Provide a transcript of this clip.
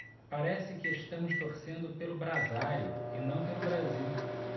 parece que estamos torcendo pelo brasário e não pelo brasil